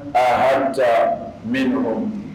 Aa hasa minɔgɔn